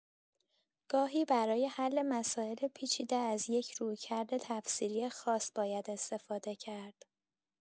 گاهی برای حل مسائل پیچیده از یک رویکرد تفسیری خاص باید استفاده کرد.